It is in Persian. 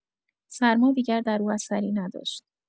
سرما دیگر در او اثری نداشت.